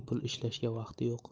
pul ishlashga vaqti yo'q